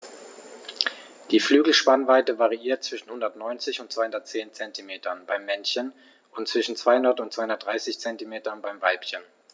Die Flügelspannweite variiert zwischen 190 und 210 cm beim Männchen und zwischen 200 und 230 cm beim Weibchen.